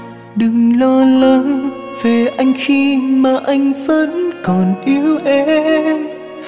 đừng lo lắng về anh khi mà anh vẫn còn yêu em